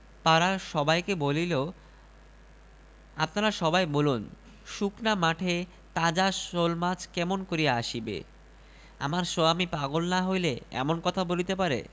তাহার সামনে ধরিল একে তো ক্ষুধায় তাহার শরীর জ্বলিতেছে তাহার উপর এই মরিচ পোড়া আর ভাত দেখিয়া রহিমের মাথায় খুন চাপিয়া গেল